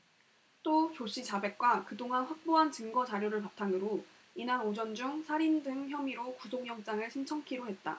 또 조씨 자백과 그동안 확보한 증거 자료를 바탕으로 이날 오전 중 살인 등 혐의로 구속영장을 신청키로 했다